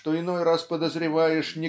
что иной раз подозреваешь